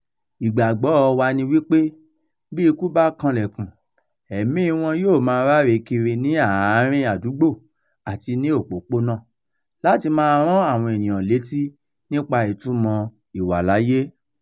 Ìgbàgbọ́ọ wa ni wípé bí ikú bá kanlẹ̀kùn, ẹ̀míi wọn yóò máa ráre kiri ní àárín-in àdúgbò àti ní òpópónà, láti máa rán àwọn ènìyàn létí nípa ìtúmọ̀ ìwà láyé.